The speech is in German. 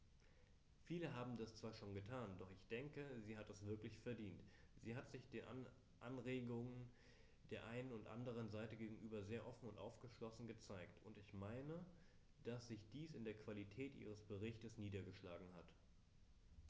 Viele haben das zwar schon getan, doch ich denke, sie hat es wirklich verdient, denn sie hat sich Anregungen der einen und anderen Seite gegenüber sehr offen und aufgeschlossen gezeigt, und ich meine, dass sich dies in der Qualität ihres Berichts niedergeschlagen hat.